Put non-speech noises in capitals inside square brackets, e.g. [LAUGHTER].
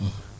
[HESITATION] [HESITATION]